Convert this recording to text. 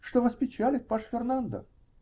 Что вас печалит, паж Фернандо?